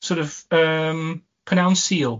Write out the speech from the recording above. sort of yym pnawn Sul.